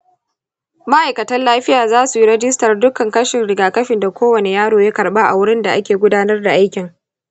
ma'aikatan lafiya za su yi rajistar dukkan kashin rigakafin da kowane yaro ya karɓa a wurin da ake gudanar da aikin.